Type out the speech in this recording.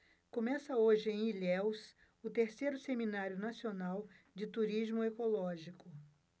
começa hoje em ilhéus o terceiro seminário nacional de turismo ecológico